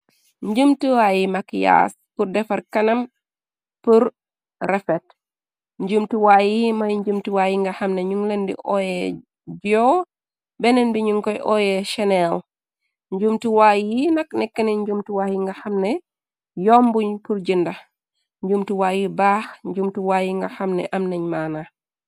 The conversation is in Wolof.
Njumtuwaa yi makyas kur defar kanam, pur rëfet. Njumtuwaay yi mëy njumtuwaayyi nga xamne ñu lendi oye joo, benn bi ñuñ koy oye chennel. Njumtuwaayi nak nekkna njumtuwaay yi nga xamne yom buñ pur jënda. njumtuwaayyu baax njumtuwaayyi nga xamne am nañ maana.